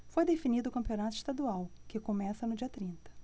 foi definido o campeonato estadual que começa no dia trinta